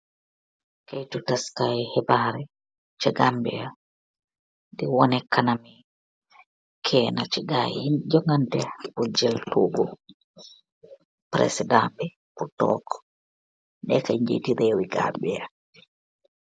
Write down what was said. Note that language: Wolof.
Keitu tass kaii khibarr cha Gambia, di woneh kanami kenah chi gaii yii johnganteh pur jeul tohgu, president bii pur tokk, neka njjiti rewi Gambia.